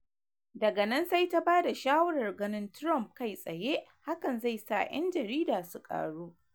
Daga nan sai ta ba da shawarar ganinTrump kai tsaye hakan zai sa ‘yan jarida su karu.